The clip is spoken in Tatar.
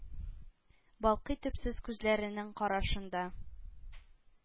Балкый төпсез күзләренең карашында,